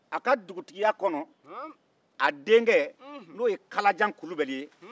a ka dugutigiya kɔnɔ a denkɛ n'o ye kalajan kulubali ye